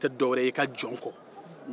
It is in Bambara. ne tɛ dɔwɛrɛ ye i ka jɔn kɔ